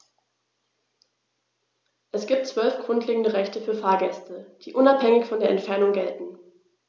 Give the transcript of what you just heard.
Es gibt 12 grundlegende Rechte für Fahrgäste, die unabhängig von der Entfernung gelten.